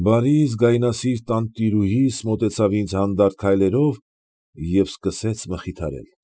Բարի, զգայնասիրտ տանտիրուհիս մոտեցավ ինձ հանդարտ քայլերով և սկսեց մխիթարել։